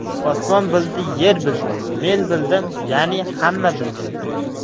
osmon bildi yer bildi men bildim yani hamma bildi